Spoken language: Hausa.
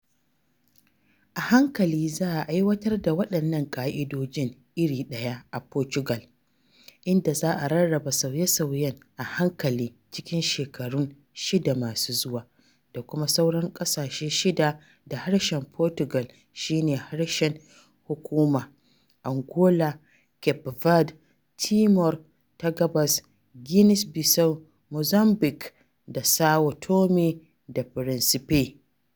A hankali za a aiwatar da waɗannan ƙa’idoji iri ɗaya a Portugal, inda za a rarraba sauye-sauyen a hankali cikin shekarun shida masu zuwa, da kuma sauran ƙasashe shida da harshen Portugal shi ne harshen hukuma: Angola, Cape Verde, Timor ta Gabas, Guinea-Bissau, Mozambique, da São Tomé da Príncipe.